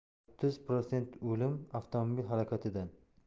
o'ttiz protsent o'lim avtomobil halokatidan